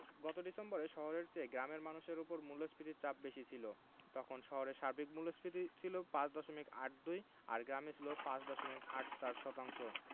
গত ডিসেম্বরে শহরের চেয়ে গ্রামের মানুষের ওপর মূল্যস্ফীতির চাপ বেশি ছিল তখন শহরে সার্বিক মূল্যস্ফীতি ছিল ৫ দশমিক ৮২ আর গ্রামে ছিল ৫ দশমিক ৮৪ শতাংশ